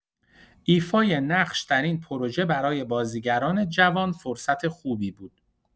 ایفای نقش در این پروژه برای بازیگران جوان فرصت خوبی بود.